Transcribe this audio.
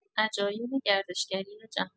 عجایب گردشگری جهان